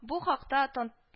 Бу хакта тан